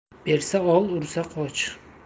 bersa ol ursa qoch